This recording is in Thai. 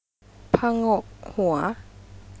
ผงกหัว